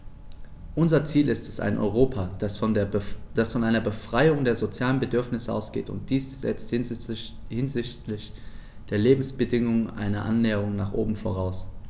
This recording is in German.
Unser Ziel ist ein Europa, das von einer Befriedigung der sozialen Bedürfnisse ausgeht, und dies setzt hinsichtlich der Lebensbedingungen eine Annäherung nach oben voraus.